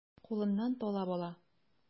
Кулыннан талап ала.